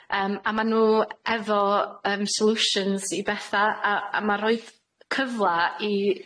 Yym, a ma' nw efo yym solutions i betha, a a ma' rhoid cyfla i